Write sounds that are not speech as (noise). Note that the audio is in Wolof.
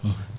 (hesitation) (hesitation)